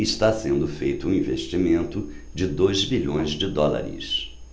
está sendo feito um investimento de dois bilhões de dólares